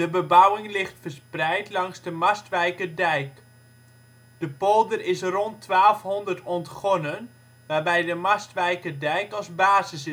bebouwing ligt verspreid langs de Mastwijkerdijk. De polder is rond 1200 ontgonnen, waarbij de Mastwijkerdijk als basis